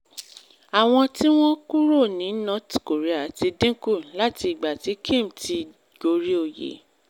Àwọn tí wọ́n kúrò ní North Korea ti dínkù láti ìgbà tí Kim ti gorí oyè